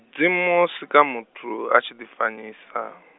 -dzimu o sika muthu a tshi ḓi fanyisa.